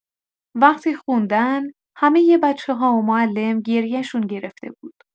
وقتی خوندن، همۀ بچه‌ها و معلم گریه‌شون گرفته بود.